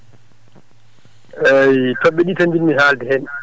eeyi toɓɓe ɗiɗi tan njiɗmi haalde heen